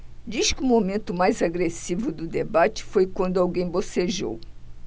diz que o momento mais agressivo do debate foi quando alguém bocejou